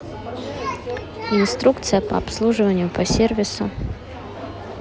инструкция по обслуживанию по сервису